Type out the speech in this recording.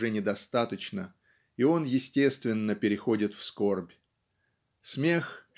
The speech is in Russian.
уже недостаточно, и он естественно переходит в скорбь. Смех